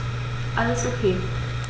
Alles OK.